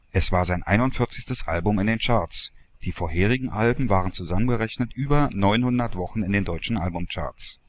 Es war sein 41. Album in den Charts, die vorherigen Alben waren zusammengerechnet über 900 Wochen in den deutschen Albumcharts